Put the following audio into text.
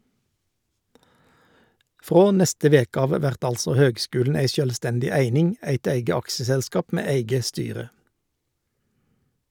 Frå neste veke av vert altså høgskulen ei sjølvstendig eining, eit eige aksjeselskap med eige styre.